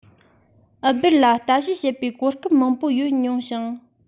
ཨུ སྦེར ལ ལྟ དཔྱད བྱེད པའི གོ སྐབས མང པོ ཡོད མྱོང ཞིང